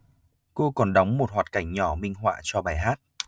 cô còn đóng một hoạt cảnh nhỏ minh họa cho bài hát